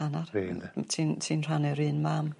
Hannar... Fi ynde? ...ti'n ti'n rhannu'r un mam.